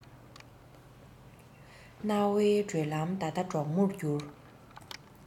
གནའ བོའི བགྲོད ལམ ད ལྟ གྲོག མོར གྱུར